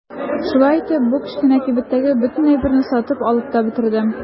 Шулай итеп бу кечкенә кибеттәге бөтен әйберне сатып алып та бетердем.